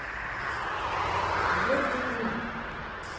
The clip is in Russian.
твердый знак